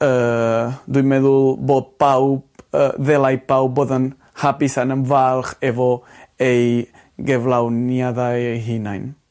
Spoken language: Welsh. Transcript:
yy dwi'n meddwl bod pawb yy ddelai pawb bodd yn hapus yn yym falch efo ei geflawniaddau eu hunain.